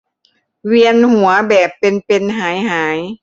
เวียนหัวแบบเป็นเป็นหายหาย